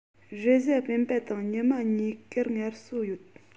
རེས གཟའ སྤེན པ དང ཉི མ གཉིས ཀར ངལ གསོ ཡོད